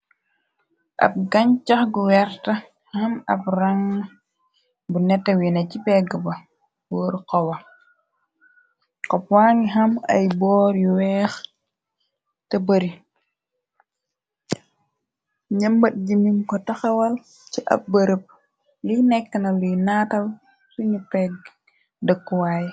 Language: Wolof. Ab gañ cax gu wert xam ab rang bu netta wina ci pegg ba woor xowa xobwa ngi xam ay boor yu weex te bari nëmbat ji mim ko taxawal ci ab bërëb li nekkna luy naatal sunu pegg dëkkuwaay.